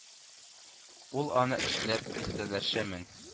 Ул аны эшләп, дистәләрчә мең